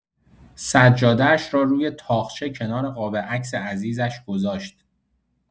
سجاده‌اش را روی طاقچه کنار قاب عکس عزیزش گذاشت.